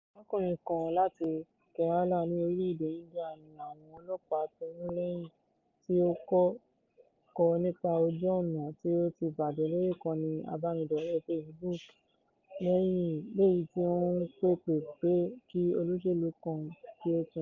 Arákùnrin kan láti Kerala, ní orílẹ́ èdè India ni àwọn ọlọ́pàá ti mú lẹ́yìn tí ó kọ nípa ojú ọ̀nà tí ó tí bàjẹ́ lórí ìkànnì ìbánidọ́rẹ̀ẹ́ Facebook, lèyí tí ó ń pèpè pé kí olóṣèlú kan kí ó tún un ṣe.